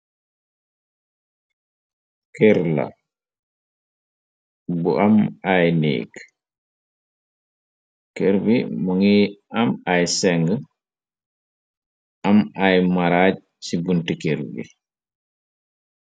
Kër la bu am ay nék, kër bi mu ngi am ay seng am ay maraaj ci bunti kër bi.